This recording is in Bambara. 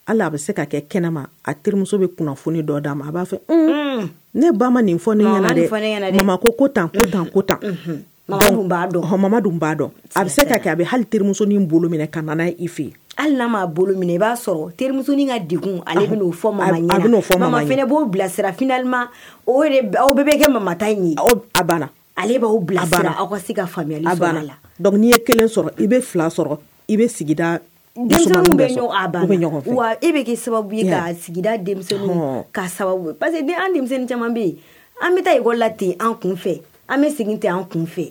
Hali a bɛ se ka kɛ kɛnɛma a terimuso bɛ kunnafoni dɔ d'a ma a b'a fɛ ne ba nin fɔ ma ko tan ko tan ko tan b'a dɔn hama dun b'a dɔn a bɛ se ka kɛ a bɛ hali teriremunin bolo minɛ ka i fɛ hali bolo i b'a sɔrɔ teri ka de alema fɔ mama f b'o bilasira finali o de aw bɛɛ bɛ kɛ mama ɲini ale b' bila aw ka se ka lai ye kelen sɔrɔ i bɛ fila sɔrɔ i e bɛ kɛ sababu sigida ka sababu pa parce que ni an denmisɛnninmi caman bɛ yen an bɛ taa ikɔ la ten an kun fɛ an bɛ segin tɛ an kun fɛ